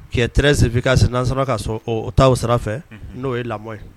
Qui est très efficace n'an sena ka sɔ ɔ o ta o sira fɛ unhun n'o ye lamɔ ye